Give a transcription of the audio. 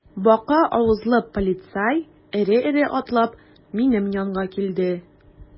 Бака авызлы полицай эре-эре атлап минем янга килде.